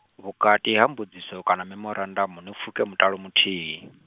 vhukati ha mbudziso kana memorandamu ni pfuke mutalo muthihi .